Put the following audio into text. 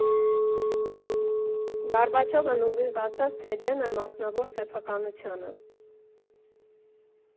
Գորբաչովն ուղիղ ասաց, թե դեմ է մասնավոր սեփականությանը։